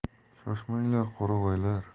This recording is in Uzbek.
shoshmanglar qoravoylar